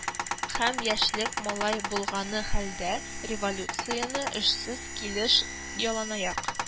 Һәм, яшьлек малай булганы хәлдә, революцияне эшсез килеш, яланаяк